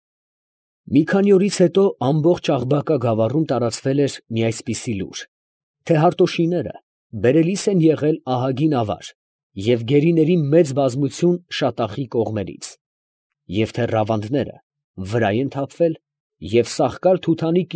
Մի քանի օրից հետո ամբողջ Աղբակա գավառում տարածվել էր մի այսպիսի լուր, թե Հարտոշիները բերելիս են եղել ահագին ավար և գերիների մեծ բազմություն Շատախի կողմերից, և թե Ռավանդները վրա են թափվել և Սախկալ֊Թութանի։